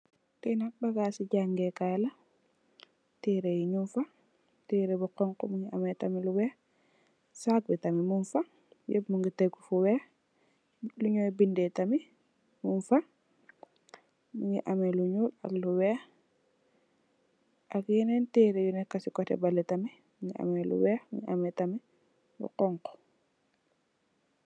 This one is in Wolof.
Lii nak bagaasi jangee kaay la, teere yi ñungfa, teere bu xonxu mungi ameh tamih lu weeh, saak bi tamih mungfa, lep mungi tegu fu weeh, luñoy bindee tamih mungfa, mungi ameh lu ñuul ak lu weeh, ak yaneen teere yu neka si kote bale tamih, mungi ameh lu weeh, muni ameh tamih lu xonxu.